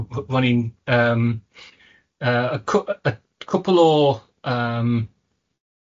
r- ro'n i'n yym yym yy cw- yy y cwpwl o yym